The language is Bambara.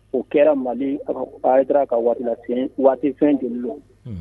O kɛra mali a taara ka waatila waatifɛn joli ɲɔgɔn